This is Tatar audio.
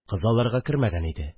Кыз аларга кермәгән иде